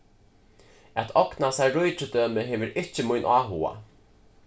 at ogna sær ríkidømi hevur ikki mín áhuga